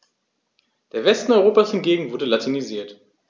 Der Westen Europas hingegen wurde latinisiert.